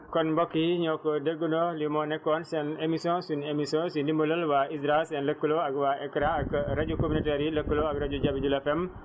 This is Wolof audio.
kon mbokk yi ñoo ko déggandoo lii moo nekkoon seen émission suñu émission si ndimbalal waa ISRA seen lëkkaloo ak waa AICRA ak